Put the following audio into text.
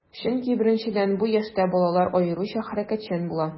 Чөнки, беренчедән, бу яшьтә балалар аеруча хәрәкәтчән була.